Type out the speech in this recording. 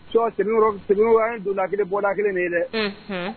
Sɔ donda kelen bɔna kelen de ye dɛ